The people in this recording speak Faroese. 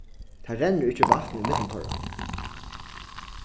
tað rennur ikki vatn ímillum teirra